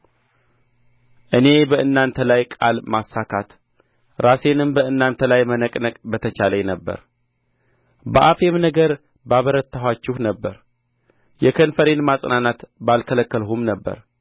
እኔ በእናንተ ላይ ቃል ማሳካት ራሴንም በእናንተ ላይ መነቅነቅ በተቻለኝ ነበር በአፌም ነገር ባበረታኋችሁ ነበር የከንፈሬን ማጽናናት ባልከለከልሁም ነበር